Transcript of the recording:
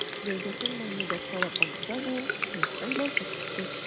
Гәүдәсен мыймылдаткалап алды да бу, кояштай балкып китте.